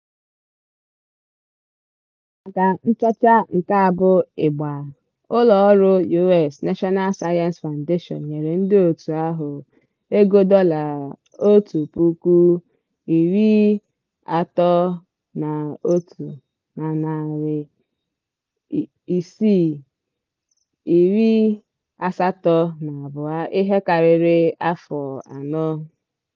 Maka nchọcha nke a bụ ịgba, ụlọ ọrụ US National Science Foundation nyere ndị otu ahụ $181,682 ihe karịrị afọ anọ.